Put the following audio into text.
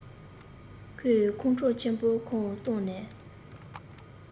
ཁོས ཁོང ཁྲོ ཆེན པོས ཁང སྟོང ནས